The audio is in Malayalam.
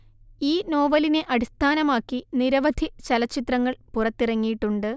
ഈ നോവലിനെ അടിസ്ഥാനമാക്കി നിരവധി ചലച്ചിത്രങ്ങൾ പുറത്തിറങ്ങിയിട്ടുണ്ട്